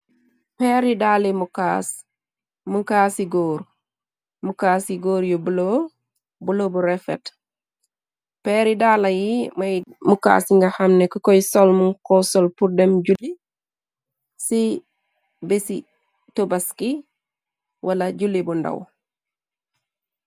Peeri daale mukaas mukaas ci góor mu kaaci góor yu bulo. bulo bu refet, peeri daala yi moy mukaas yi nga hamne ko koy sol mung ko sol pur dem juli ci beci tobaski wala juli bu ndaw.